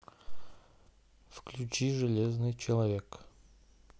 включи железный человек